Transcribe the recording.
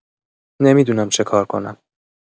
نمی‌دونم چکار کنم!